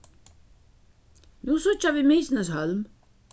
nú síggja vit mykineshólm